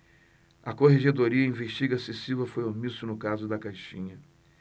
a corregedoria investiga se silva foi omisso no caso da caixinha